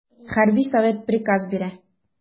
Хәрби совет приказ бирә.